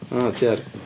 O diar.